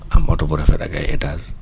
am oto bu rafet ak ay étage